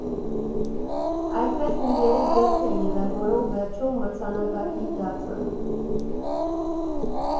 Այդպես մի երեք դեպք է եղել, որոնք վերջում մրցանակակիր դարձան։